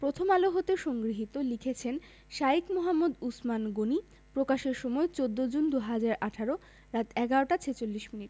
প্রথমআলো হতে সংগৃহীত লিখেছেন শাঈখ মুহাম্মদ উছমান গনী প্রকাশের সময় ১৪ জুন ২০১৮ রাত ১১টা ৪৬ মিনিট